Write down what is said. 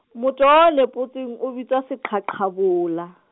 motoho o nepotsweng o bitswa seqhaqhabola.